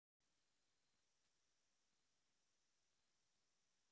гузель хасанова